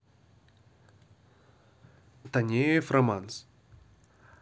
танеев романс